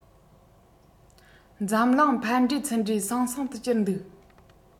འཛམ གླིང ཕར འགྲེ ཚུར འགྲེ ཟང ཟིང དུ གྱུར འདུག